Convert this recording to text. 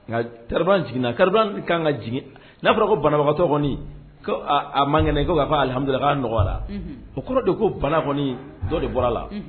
Nka jiginna ka ka jigin n'a fɔra ko banabagatɔ ko a mang ka alihami nɔgɔ nɔgɔya la o kɔrɔ de ko bana kɔni dɔ de bɔra a la